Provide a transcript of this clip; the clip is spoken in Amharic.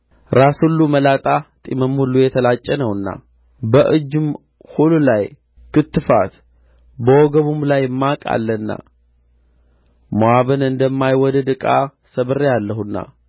ራስ ሁሉ መላጣ ጢምም ሁሉ የተላጨ ነውና በእጅም ሁሉ ላይ ክትፋት በወገብም ላይ ማቅ አለና ሞዓብን እንደማይወደድ ዕቃ ሰብሬአለሁና